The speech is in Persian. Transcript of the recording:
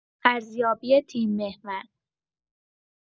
ارزیابی تیم‌محور